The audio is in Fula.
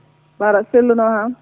mbar aɗa selluno kam